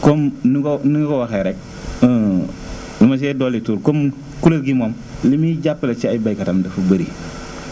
comme nu nga ni nga ko waxee rek dama see dolli tuut comme kuréel gi moom li muy jàppale si ay baykatam dafa bëri